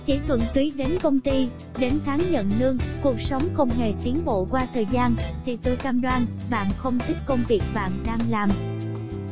chỉ thuần tuỳ đến công ty đi về đến tháng nhận lương cuộc sống không hề tiến bộ qua thời gian thì tôi cam đoan bạn không thích công việc bạn đang làm